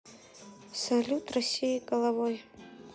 салют россии головой